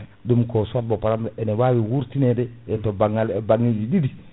ɗum ko soit bo p* ene wawi wurtinede e to banggal e banggueji ɗiɗi